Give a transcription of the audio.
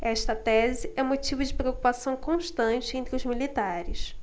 esta tese é motivo de preocupação constante entre os militares